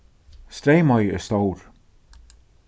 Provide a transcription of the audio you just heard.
streymoy er stór